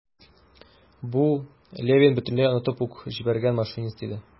Бу - Левин бөтенләй онытып ук җибәргән машинист иде.